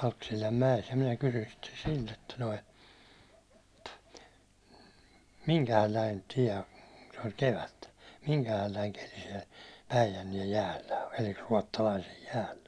Palkkisillan mäessä ja minä kysyn sitten siltä että noin minkähänlainen tie se oli kevättä minkähänlainen keli siellä Päijänteen jäällä on eli Ruotsalaisen jäällä